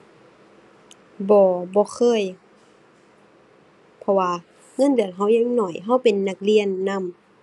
บ่ บ่เคย เพราะว่าเงินเดือนเรายังน้อย เราเป็นนักเรียนนำ